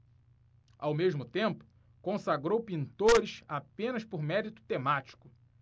ao mesmo tempo consagrou pintores apenas por mérito temático